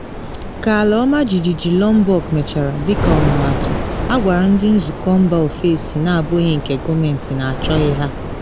Ka ala ọmajijiji Lombok mechara, dịka ọmụmaatụ, agwara ndị nzụkọ mba ofesi na abụghị nke gọọmentị na achọghị ha.